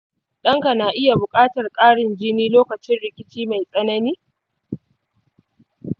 ɗanka na iya buƙatar ƙarin jini lokacin rikici mai tsanani.